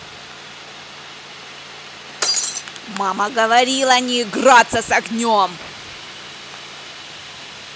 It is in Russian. мама говорила не играться с огнем